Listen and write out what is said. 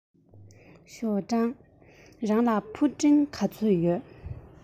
ཞའོ ཀྲང རང ལ ཕུ འདྲེན ག ཚོད ཡོད